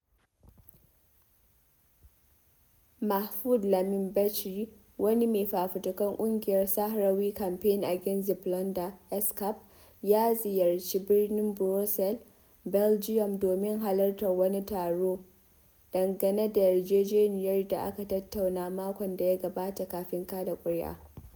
Mahfoud Lamin Bechri, wani mai fafutukar ƙungiyar Sahrawi Campaign Against the Plunder (SCAP), ya ziyarci birnin Brussels, Belgium, domin halartar wani taro dangane da yarjejeniyar da aka tattauna makon da ya gabata kafin kaɗa ƙuri'a.